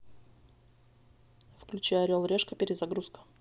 включи орел решка перезагрузка